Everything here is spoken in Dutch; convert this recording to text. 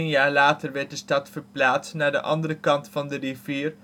jaar later werd de stad verplaatst naar de andere kant van de rivier